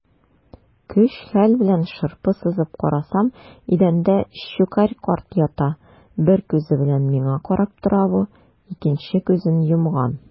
Көч-хәл белән шырпы сызып карасам - идәндә Щукарь карт ята, бер күзе белән миңа карап тора бу, икенче күзен йомган.